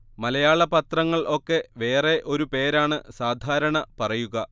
മലയാള പത്രങ്ങൾ ഒക്കെ വേറെ ഒരു പേരാണ് സാധാരണ പറയുക